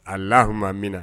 A lahamina